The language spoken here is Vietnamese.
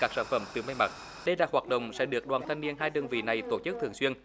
các sản phẩm từ may mặc đây là hoạt động sẽ được đoàn thanh niên hai đơn vị này tổ chức thường xuyên